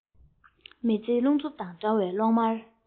མེ ལྕེའི རླུང འཚུབ དང འདྲ བའི གློག དམར